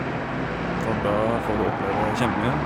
For da får du oppleve kjempemye.